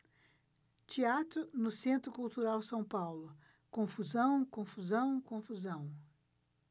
teatro no centro cultural são paulo confusão confusão confusão